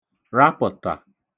rapə̣̀tà